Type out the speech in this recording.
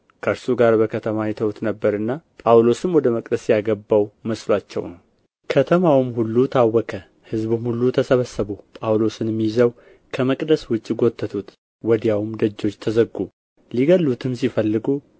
ከእርሱ ጋር በከተማ አይተውት ነበርና ጳውሎስም ወደ መቅደስ ያገባው መስሎአቸው ነው ከተማውም ሁሉ ታወከ ሕዝቡም ሁሉ ተሰበሰቡ ጳውሎስንም ይዘው ከመቅደስ ውጭ ጎተቱት ወዲያውም ደጆች ተዘጉ ሊገድሉትም ሲፈልጉ